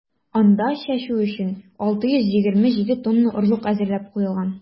Анда чәчү өчен 627 тонна орлык әзерләп куелган.